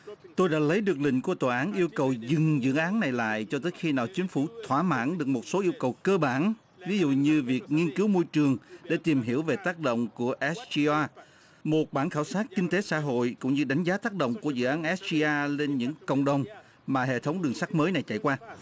tôi đã lấy được lệnh của tòa án yêu cầu dừng dự án này lại cho tới khi nào chính phủ thỏa mãn được một số yêu cầu cơ bản ví dụ như việc nghiên cứu môi trường để tìm hiểu về tác động của ét gi a một bản khảo sát kinh tế xã hội cũng như đánh giá tác động của dự án ét gi a lên những cộng đồng mà hệ thống đường sắt mới này chạy qua